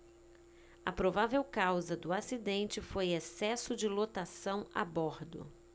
a provável causa do acidente foi excesso de lotação a bordo